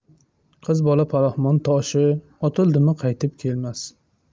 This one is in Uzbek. qiz bola palaxmon toshi otildimi qaytib kelmas